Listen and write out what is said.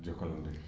Jokalante